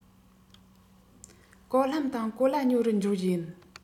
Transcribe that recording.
གོ ལྷམ དང གོ ལྭ ཉོ རུ འགྲོ རྒྱུ ཡིན